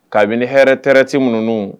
Kabini retraite m nunnu